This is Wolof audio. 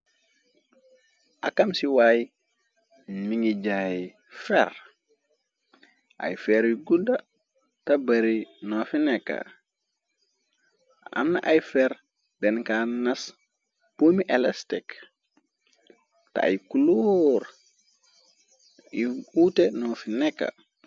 Akam ci waay mi ngi jaay fer ay feer yu gudda ta bari noofi nekka amna ay feer denka nas poomi elastic te ay kuloor yu uute noofi nekka.